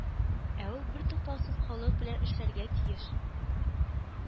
Ә ул бертуктаусыз халык белән эшләргә тиеш